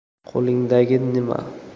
qo'lingdagi nima